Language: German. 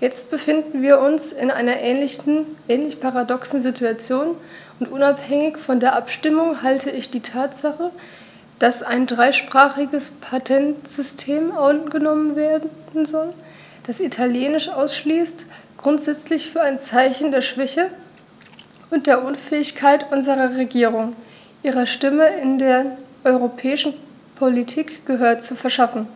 Jetzt befinden wir uns in einer ähnlich paradoxen Situation, und unabhängig von der Abstimmung halte ich die Tatsache, dass ein dreisprachiges Patentsystem angenommen werden soll, das Italienisch ausschließt, grundsätzlich für ein Zeichen der Schwäche und der Unfähigkeit unserer Regierung, ihrer Stimme in der europäischen Politik Gehör zu verschaffen,